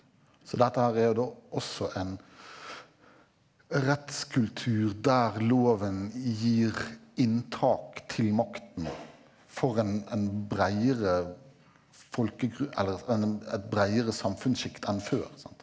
så dette her er jo da også en rettskultur der loven gir inntak til makten for en en breiere eller en et breiere samfunnssjikt enn før sant.